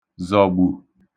zọ̀gbu